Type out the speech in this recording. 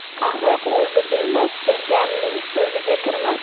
ahmoq o'zi bilmas bilganning so'ziga kirmas